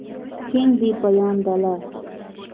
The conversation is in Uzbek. keng bepoyon dala